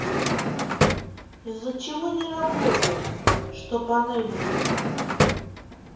из за чего не работает что панели не сантино